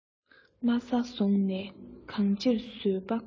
དམའ ས བཟུང ནས གང ཅིར བཟོད པ སྒོམ